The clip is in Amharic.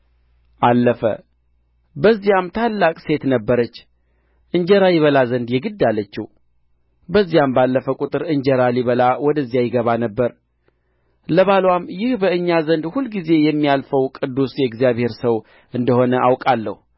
መጥታም ለእግዚአብሔር ሰው ነገረችው እርሱም ሄደሽ ዘይቱን ሽጪ ለባለ ዕዳውም ክፈዪ አንቺና ልጆችሽም ከተረፈው ተመገቡ አለ አንድ ቀንም እንዲህ ሆነ ኤልሳዕ ወደ ሱነም